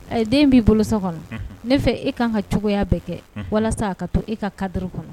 Ɛ den b'i bolo kɔnɔ ne fɛ e ka kan ka cogoya bɛɛ kɛ walasa'a ka to e ka kadi kɔnɔ